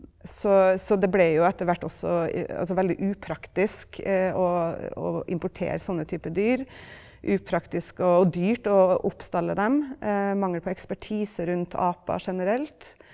så så det ble jo etter hvert også altså veldig upraktisk å å importere sånne type dyr, upraktisk og dyrt og stalle opp dem, mangel på ekspertise rundt aper generelt.